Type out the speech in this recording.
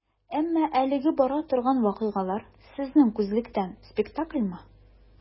Әмма әлегә бара торган вакыйгалар, сезнең күзлектән, спектакльмы?